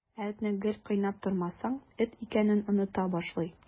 Ә этне гел кыйнап тормасаң, эт икәнен оныта башлый.